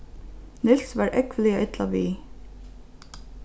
niels var ógvuliga illa við